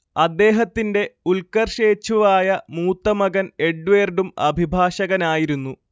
അദ്ദേഹത്തിന്റെ ഉൽക്കർഷേച്ഛുവായ മൂത്തമകൻ എഡ്വേർഡും അഭിഭാഷകനായിരുന്നു